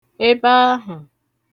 ebe ahụ̀